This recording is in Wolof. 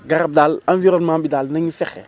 garab daal environnement bi daal nañuy fexe